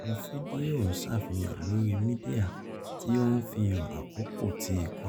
Àwọn fídíò ń ṣàfihàn lóri Mídíà tí ó ń fihàn àkókò ti ìkọlù.